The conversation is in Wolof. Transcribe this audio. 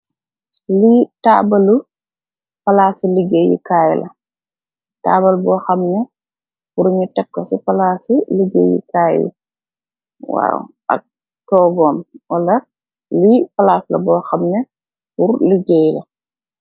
Li tabulu palassih legah gaii laah , tabul mooh hamanteh bul yuh tek guuh si legaye gai was ak togum bash li palass mbohaman teeh pul legaye.